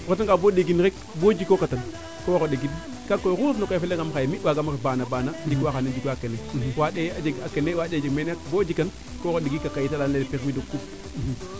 o reta nga bo ɗegin rek bo jikooka tan ko waro ɗigin kaaga koy oxu refna koy a fela ngaam xaye mi waamo ref baana baana jik wa xane jik waa kene jik waa waande jeg a kene waande jeg mene bo o jikan ko waro jeg a kiyita la ando naye permis de coupe